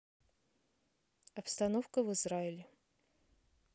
обстановка в израиле